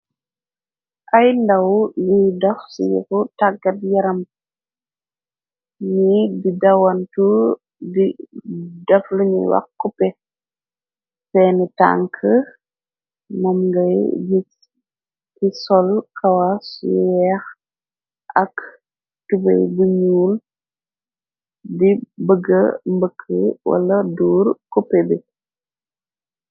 Ay ndaw ñuy dox sii yafu tàggat yaram, nyi di dawantu di def luñuy wax cuppe, seeni tank mam ngay gis nyu sol kawas yu weex ak tubey bu ñuul, di bëgge mbëkk wala duur cuppe bi.